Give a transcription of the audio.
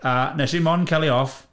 A wnes i'm ond cael hi off...